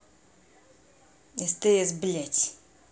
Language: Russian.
стс блядь